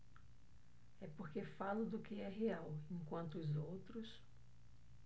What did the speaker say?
é porque falo do que é real enquanto os outros